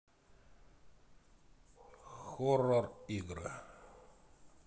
хоррор игры